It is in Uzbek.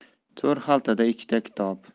to'rxaltada ikkita kitob